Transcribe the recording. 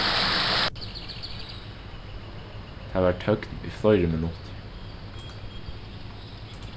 tað var tøgn í fleiri minuttir